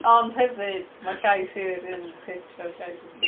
Ond hefyd mae llais hi yr un pitch a llais y ci.